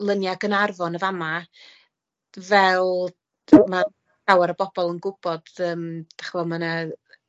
lunia Ganarfon y' fama fel ma' llawer o bobol yn gwbod yym dych ch'mo' ma' 'na